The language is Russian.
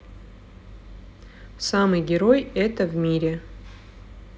самый герой это в мире